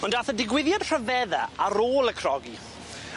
Ond dath y digwyddiad rhyfedda ar ôl y crogi.